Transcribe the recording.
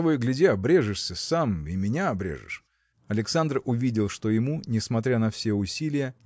того и гляди обрежешься сам и меня обрежешь. Александр увидел что ему несмотря на все усилия